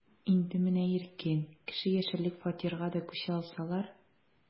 Инде менә иркен, кеше яшәрлек фатирга да күчә алсалар...